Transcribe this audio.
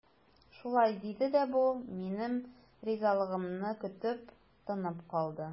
Шулай диде дә бу, минем ризалыгымны көтеп, тынып калды.